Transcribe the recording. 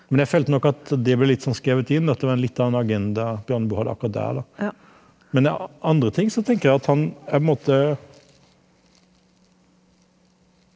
men jeg følte nok at det ble litt sånn skrevet inn, at det var en litt annen agenda Bjørneboe hadde akkurat der da, men andre ting så tenker jeg at han er på en måte.